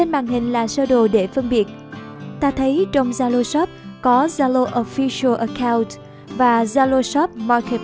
trên màn hình là sơ đồ để phân biệt ta thấy trong zalo shop có zalo official account và zalo shop marketplace